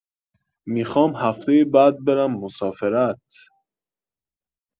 می‌خوام هفته بعد برم مسافرت